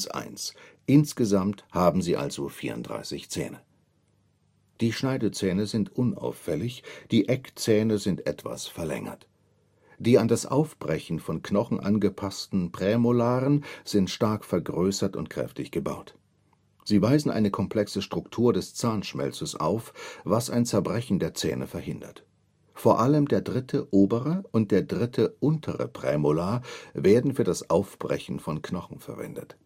1/1, insgesamt haben sie also 34 Zähne. Die Schneidezähne sind unauffällig, die Eckzähne sind etwas verlängert. Die an das Aufbrechen von Knochen angepassten Prämolaren sind stark vergrößert und kräftig gebaut. Sie weisen eine komplexe Struktur des Zahnschmelzes auf, was ein Zerbrechen der Zähne verhindert. Vor allem der dritte obere und der dritte untere Prämolar werden für das Aufbrechen von Knochen verwendet